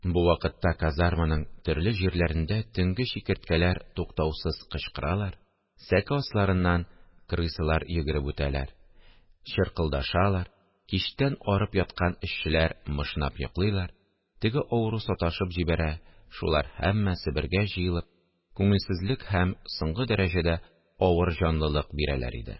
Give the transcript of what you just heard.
Бу вакытта казарманың төрле җирләрендә төнге чикерткәләр туктаусыз кычкыралар, сәке асларыннан крысалар йөгереп үтәләр, чыркылдашалар, кичтән арып яткан эшчеләр мышнап йоклыйлар, теге авыру саташып җибәрә – шулар һәммәсе бергә җыелып, күңелсезлек һәм соңгы дәрәҗәдә авыр җанлылык бирәләр иде